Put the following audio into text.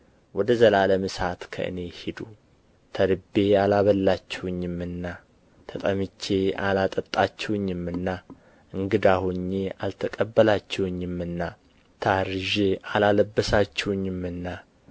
ወደ ዘላለም እሳት ከእኔ ሂዱ ተርቤ አላበላችሁኝምና ተጠምቼ አላጠጣችሁኝምና እንግዳ ሆኜ አልተቀበላችሁኝምና ታርዤ አላለበሳችሁኝምና